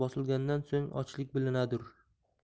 bosilgandan so'ng ochlik bilinadir